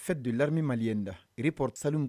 Fɛn don larime mali ye in da rep sa